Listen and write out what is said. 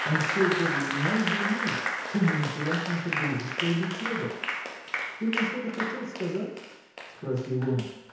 Он сел подле меня и зевнул: тем и началась наша дружеская беседа. Ты мне что-то хотел сказать? – спросил он.